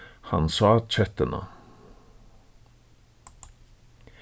hann sá kettuna